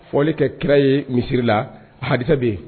Fɔli kɛ kira ye misiri la, a hadisa be yen.